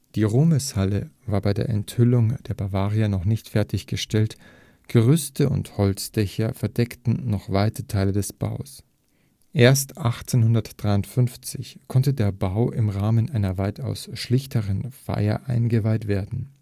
Die Ruhmeshalle war bei der Enthüllung der Bavaria noch nicht fertiggestellt, Gerüste und Holzdächer verdeckten noch weite Teile des Baus. Erst 1853 konnte der Bau im Rahmen einer weitaus schlichteren Feier eingeweiht werden